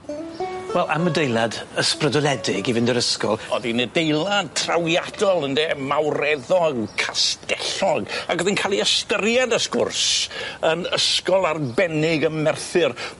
Wel am adeilad ysbrydoledig i fynd i'r ysgol. O'dd hi'n adeilad trawiadol ynde mawreddog castellog ac o'dd 'i'n ca'l 'i ystyried ws sgwrs yn ysgol arbennig ym Merthyr.